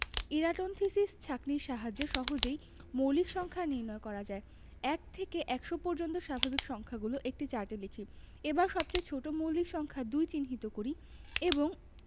Eratosthenes ছাঁকনির সাহায্যে সহজেই মৌলিক সংখ্যা নির্ণয় করা যায় ১ থেকে ১০০ পর্যন্ত স্বাভাবিক সংখ্যাগুলো একটি চার্টে লিখি এবার সবচেয়ে ছোট মৌলিক সংখ্যা ২ চিহ্নিত করি এবং